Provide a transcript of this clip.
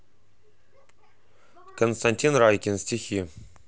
константин райкин стихи